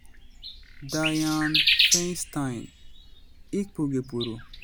Dianne Feinstein, i kpughepuru?